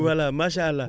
voilà macha allah